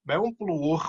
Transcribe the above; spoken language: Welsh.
mewn blwch